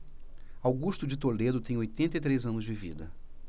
augusto de toledo tem oitenta e três anos de vida